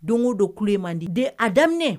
Don o don ku ye manden di den a daminɛ